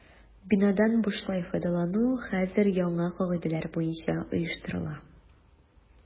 Бинадан бушлай файдалану хәзер яңа кагыйдәләр буенча оештырыла.